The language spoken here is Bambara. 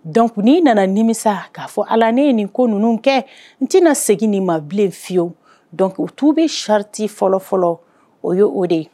Dɔn nana nimisa k'a fɔ ala ne nin ko ninnu kɛ n tɛna segin nin mabilen fiyewu dɔnc tuu bɛ sariti fɔlɔ fɔlɔ o ye o de ye